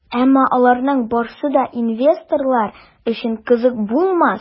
Әмма аларның барысы да инвесторлар өчен кызык булмас.